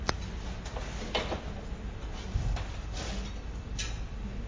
включи песню мияги